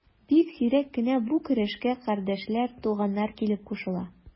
Бик сирәк кенә бу көрәшкә кардәшләр, туганнар килеп кушыла.